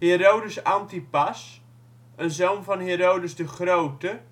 Herodes Antipas, een zoon van Herodes de Grote